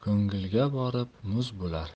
ko'ngilga borib muz bo'lar